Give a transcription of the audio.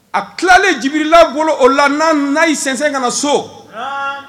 A tilalen jbilangolo o la n' na ye sɛsɛn ka na so